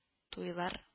Туйлар